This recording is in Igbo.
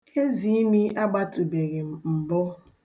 Eziimi agbatụbeghị m mbụ.